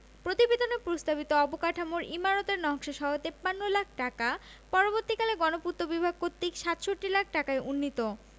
প্রতিবেদনে প্রস্তাবিত অবকাঠামোর ইমারতের নকশাসহ ৫৩ লাখ টাকা পরবর্তীকালে গণপূর্ত বিভাগ কর্তৃক ৬৭ লাখ ঢাকায় উন্নীত